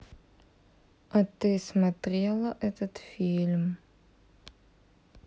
а ты смотрела этот фильм